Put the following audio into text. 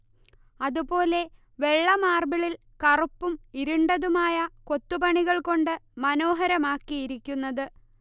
അതുപോലെ വെള്ള മാർബിളിൽ കറുപ്പും ഇരുണ്ടതുമായ കൊത്തുപണികൾ കൊണ്ട് മനോഹരമാക്കിയിരിക്കുന്നത്